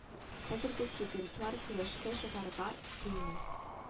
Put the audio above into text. Хәзерге студентлар көрәшкә чыгарга кыймый